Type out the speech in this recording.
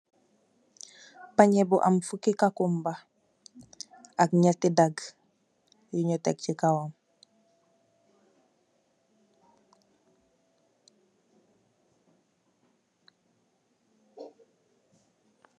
Pañeh bu am fukki kakumba ak ñetti dagg yu ñu tèg ci kaw am.